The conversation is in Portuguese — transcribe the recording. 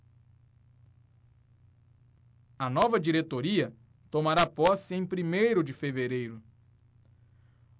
a nova diretoria tomará posse em primeiro de fevereiro